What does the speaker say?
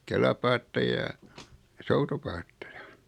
kelapaatteja ja ja soutupaatteja